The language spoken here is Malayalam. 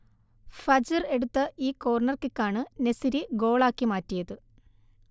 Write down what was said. ഫജ്ർ എടുത്ത ഈ കോർണർ കിക്കാണ് നെസിരി ഗോളാക്കി മാറ്റിയത്